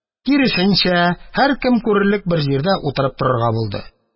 Киресенчә, һәркем күрерлек бер җирдә утырып торырга булды.